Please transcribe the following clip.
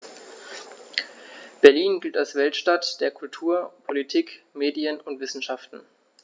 Berlin gilt als Weltstadt der Kultur, Politik, Medien und Wissenschaften.